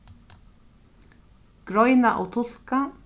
greina og tulka